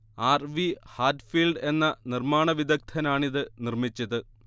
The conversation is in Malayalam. ആർ വി ഹാറ്റ്ഫീൽഡ് എന്ന നിർമ്മാണ വിദഗ്ധനാണിത് നിർമ്മിച്ചത്